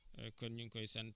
d' accord incha allah